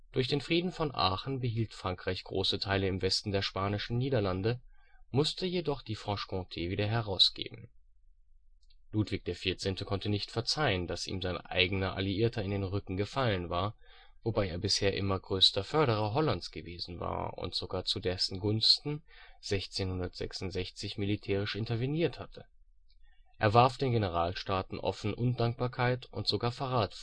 Durch den Frieden von Aachen behielt Frankreich große Teile im Westen der Spanischen Niederlande, musste jedoch die Franche-Comté wieder herausgeben. Ludwig XIV. konnte nicht verzeihen, dass ihm sein eigener Alliierter in den Rücken gefallen war, wobei er bisher immer größter Förderer Hollands gewesen war und sogar zu dessen Gunsten 1666 militärisch interveniert hatte. Er warf den Generalstaaten offen Undankbarkeit und sogar Verrat